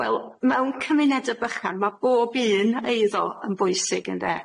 Wel mewn cymuneda bychan ma' bob un eiddo yn bwysig ynde?